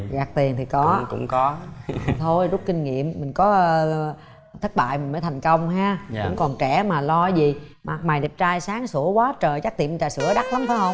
gạt tiến thì có cũng có thôi rút kinh nghiệm mình có thất bại mình mới thành công ha cũng còn trẻ mà lo gì mày đẹp trai sáng sủa quá trời trắc tiệm trà sữa đắt lắm phải không